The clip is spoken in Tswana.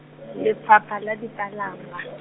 Lefapha la Dipalangwa.